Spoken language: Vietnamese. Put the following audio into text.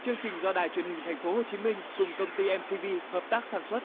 chương trình do đài truyền hình thành phố hồ chí minh cùng công ty em xi bi hợp tác sản xuất